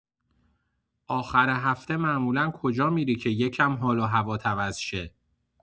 آخر هفته معمولا کجا می‌ری که یه کم حال و هوات عوض شه؟